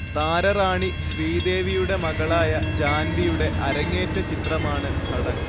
താരറാണി ശ്രീദേവിയുടെ മകളായ ജാൻവിയുടെ അരങ്ങേറ്റ ചിത്രമാണ് ധഡക്